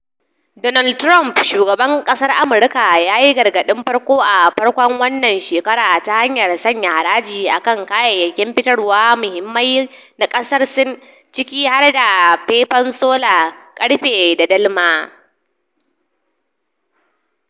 Donald Trump, shugaban ƙasar Amurka, yayi gargadin farko a farkon wannan shekarar ta hanyar sanya haraji akan kayayyakin fitarwa muhimmai na ƙasar Sin, ciki har da feifen sola, ƙarfe da dalma.